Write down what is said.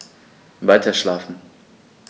Weiterschlafen.